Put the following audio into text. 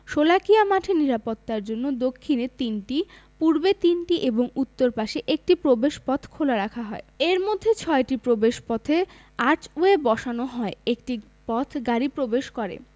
শোলাকিয়া মাঠের নিরাপত্তার জন্য দক্ষিণে তিনটি পূর্বে তিনটি এবং উত্তর পাশে একটি প্রবেশপথ খোলা রাখা হয় এর মধ্যে ছয়টি প্রবেশপথে আর্চওয়ে বসানো হয় একটি পথ গাড়ি প্রবেশ করে